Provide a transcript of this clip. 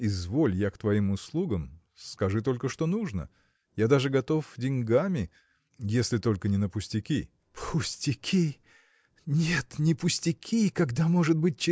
– Изволь, я к твоим услугам; скажи только, что нужно. я даже готов деньгами. если только не на пустяки. – Пустяки! нет не пустяки когда может быть